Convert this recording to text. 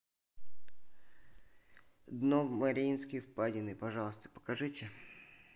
дно марианской впадины пожалуйста покажите